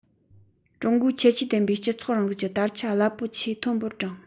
ཀྲུང གོའི ཁྱད ཆོས ལྡན པའི སྤྱི ཚོགས རིང ལུགས ཀྱི དར ཆ རླབས པོ ཆེ མཐོན པོ སྒྲེང